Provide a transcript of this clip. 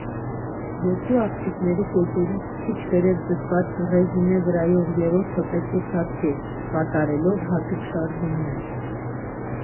Երկու աղջիկների կոճերից քիչ վերև ձգված ռեզինի վրայով երրորդը պետք է ցատկեր՝ կատարելով հատուկ շարժումներ։